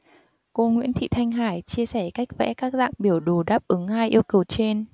cô nguyễn thị thanh hải chia sẻ cách vẽ các dạng biểu đồ đáp ứng hai yêu cầu trên